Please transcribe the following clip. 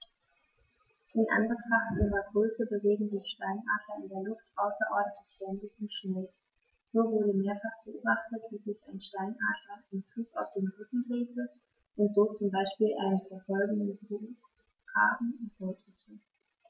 In Anbetracht ihrer Größe bewegen sich Steinadler in der Luft außerordentlich wendig und schnell, so wurde mehrfach beobachtet, wie sich ein Steinadler im Flug auf den Rücken drehte und so zum Beispiel einen verfolgenden Kolkraben erbeutete.